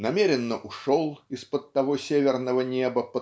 намеренно ушел из-под того северного неба